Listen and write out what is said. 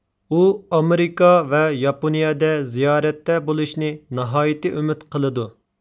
ئۇ ئامېرىكا ۋە ياپونىيىدە زىيارەتتە بولۇشنى ناھايىتى ئۈمىد قىلىدۇ